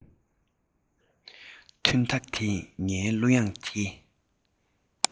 ཐན ཕྲུག དེས ངའི གླུ དབྱངས དེ